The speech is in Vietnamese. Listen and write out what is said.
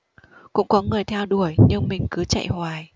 cũng có người theo đuổi nhưng mình cứ chạy hoài